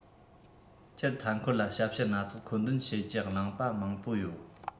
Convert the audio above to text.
ཁྱེད མཐའ འཁོར ལ ཞབས ཞུ སྣ ཚོགས མཁོ འདོན བྱེད ཀྱི བླངས པ མང པོ ཡོད